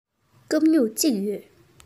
སྐམ སྨྱུག གཅིག ཡོད